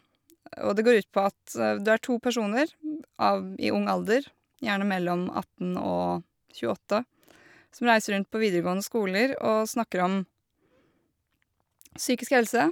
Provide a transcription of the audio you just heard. Og det går ut på at du har to personer amb i ung alder, gjerne mellom atten og tjueåtte, som reiser rundt på videregående skoler og snakker om psykisk helse.